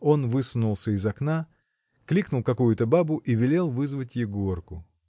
Он высунулся из окна, кликнул какую-то бабу и велел вызвать Егорку.